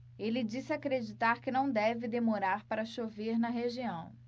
ele disse acreditar que não deve demorar para chover na região